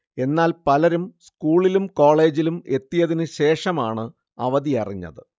എന്നാൽ പലരും സ്കൂളിലും കോളേജിലും എത്തിയതിന് ശേഷമാണ് അവധിയറിഞ്ഞത്